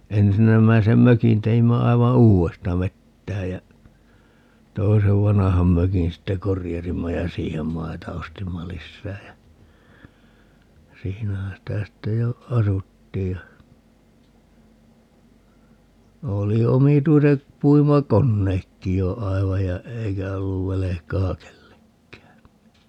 ensimmäisen mökin teimme aivan uudesta vetäen ja toisen vanhan mökin sitten korjasimme ja siihen maita ostimme lisää ja siinähän sitä sitten jo asuttiin ja oli omituiset puimakoneetkin jo aivan ja eikä ollut velkaa kenellekään